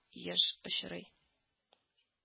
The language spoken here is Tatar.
Еш очрый